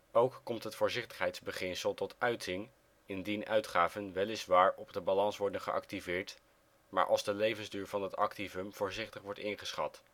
Ook komt het voorzichtigheidsbeginsel tot uiting indien uitgaven weliswaar op de balans worden geactiveerd, maar als de levensduur van het activum voorzichtig wordt ingeschat